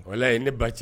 Wala ye ne ba cɛ